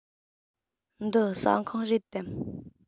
འདི ཟ ཁང རེད དམ